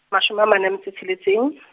mashome a mane a metso e le tsweng .